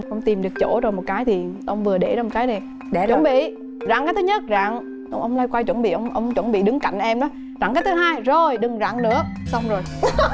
không tìm được chỗ đâu một cái thì ông vừa để đó một cái thì chuẩn bị dặn cái thứ nhất dặn ông loay quay chuẩn bị ông ông chuẩn bị đứng cạnh em á dặn cái thứ hai rồi đừng dặn nửa xong rồi